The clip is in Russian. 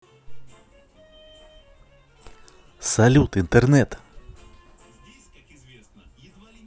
салют интернет